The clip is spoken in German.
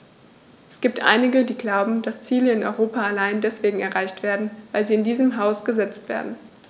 Es gibt einige, die glauben, dass Ziele in Europa allein deswegen erreicht werden, weil sie in diesem Haus gesetzt werden.